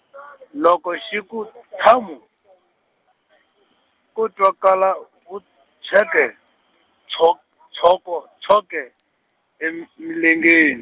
loko xi ku thamu, ko twakala , vut- -tsweke, tswok- tswoko- tswoke, em- milengen-.